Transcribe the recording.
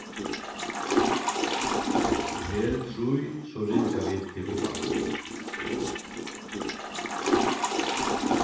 vel trý so ringja vit teg uppaftur